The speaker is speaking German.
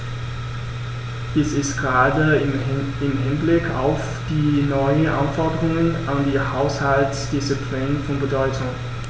Dies ist gerade im Hinblick auf die neuen Anforderungen an die Haushaltsdisziplin von Bedeutung.